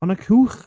On a cwch!